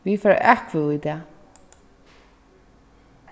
vit fara at atkvøða í dag